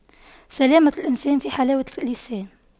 سلامة الإنسان في حلاوة اللسان